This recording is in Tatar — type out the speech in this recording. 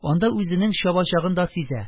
Анда үзенең чабачагын да сизә